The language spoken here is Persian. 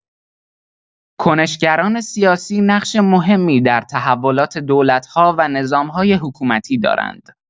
کنش‌گران سیاسی نقش مهمی در تحولات دولت‌ها و نظام‌های حکومتی دارند.